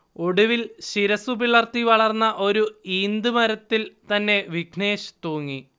ഒടുവിൽ ശിരസുപിളർത്തി വളർന്ന ഒരു ഈന്തു മരത്തിൽ തന്നെ വിഘ്നേശ് തൂങ്ങി